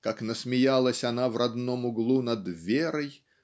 как насмеялась она в родном углу над Верой